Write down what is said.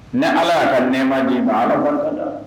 Ni Ala y'a ka nɛma d'i ma Ala bato